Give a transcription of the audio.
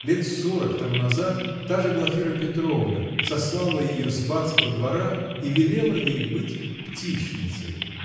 лет сорок тому назад та же Глафира Петровна сослала ее с барского двора и велела ей быть птичницей